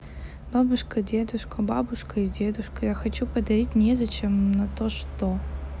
бабушка дедушка бабушка и дедушка я хочу подарить незачем на то что